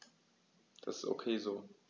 Das ist ok so.